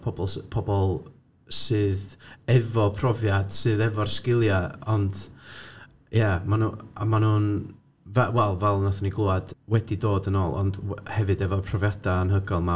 Pobl sy-... pobl, sydd efo profiad, sydd efo'r sgiliau, ond ia, ma' nhw... ond ma nhw'n, f- wel, fel wnathon ni glywed, wedi dod yn ôl, ond w- hefyd efo'r profiadau anhygoel yma.